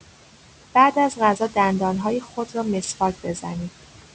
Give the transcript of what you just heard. بعد از غذا دندان‌های خود را مسواک بزنید.